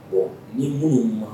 Wa ni minnu ma